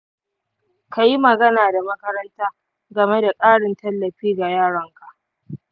ka yi magana da makaranta game da ƙarin tallafi ga yaron ka.